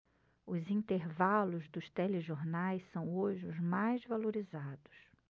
os intervalos dos telejornais são hoje os mais valorizados